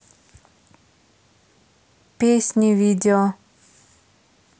песни видео